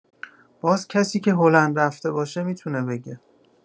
باز کسی که هلند رفته باشه می‌تونه بگه